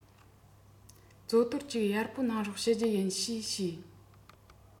མཛོ དོར གཅིག གཡར པོ གནང རོགས ཞུ རྒྱུ ཡིན ཞེས ཞུས